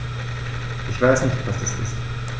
Ich weiß nicht, was das ist.